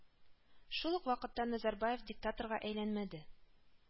Шул ук вакытта Назарбаев диктаторга әйләнмәде